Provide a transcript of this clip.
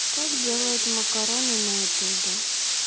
как делают макароны на ютубе